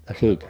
ja siitä